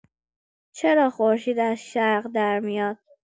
چرا خورشید از شرق درمیاد؟